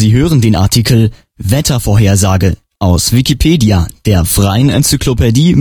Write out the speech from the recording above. hören den Artikel Wettervorhersage, aus Wikipedia, der freien Enzyklopädie